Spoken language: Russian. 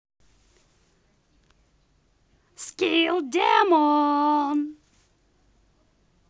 скилл демон